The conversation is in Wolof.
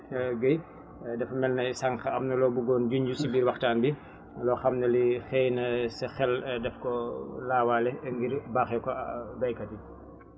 Guèye dafa mel ne sànq am na loo buggoon junj si biir waxtaan bi loo xam ne li xëy na sa xel daf koo laawaale ngir baaxee ko baykat yi